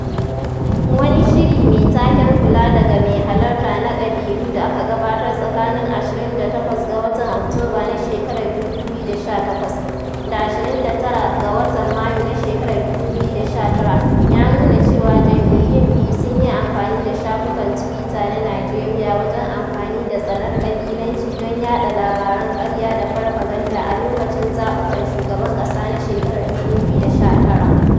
Wani shiri mai taken 'kula daga mai halarta na ƙabilu' da aka gabatar tsakanin 28 ga watan Oktoba na shekarar 2018 da 29 ga watan Mayu na shekarar 2019 ya nuna cewa jam'iyyun biyu sun yi amfani da shafukan tuwita na Nijeriya wajen amfani da tsanar ƙabilanci don yaɗa labaran ƙarya da farfaganda a lokacin zaɓukan shugaban ƙasa na shekarar 2019.